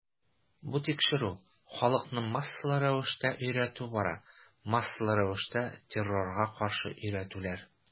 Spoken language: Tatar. Бу тикшерү, халыкны массалы рәвештә өйрәтү бара, массалы рәвештә террорга каршы өйрәтүләр.